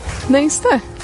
Neis 'de?